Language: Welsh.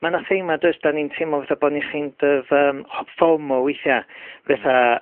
ma' 'na theimlad, does 'dan ni'n teimlo fatha bo' ni chind of yym ho- formal weithia', fetha